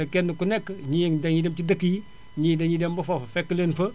kenn ku nekk ñii dañuy dem ci dëkk yi ñii dañuy dem ba foofa fekk leen fa